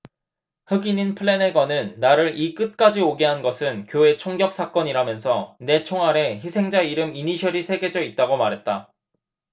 흑인인 플래내건은 나를 이 끝까지 오게 한 것은 교회 총격사건이라면서 내 총알에 희생자 이름 이니셜이 새겨져 있다고 말했다